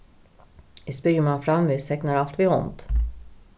eg spyrji um hann framvegis teknar alt við hond